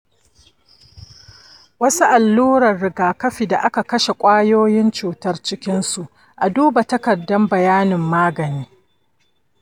wasu alluran rigakafi da aka kashe ƙwayoyin cutar cikinsu. a duba takardar bayanin magani.